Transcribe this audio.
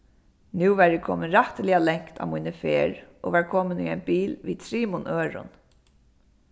nú var eg komin rættiliga langt á míni ferð og var komin í ein bil við trimum øðrum